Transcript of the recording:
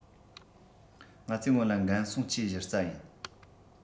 ང ཚོས སྔོན ལ འགན སྲུང ཆེས གཞི རྩ ཡིན